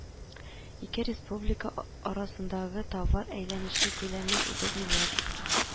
Ике республика арасындагы товар әйләнеше күләмен утыз миллиард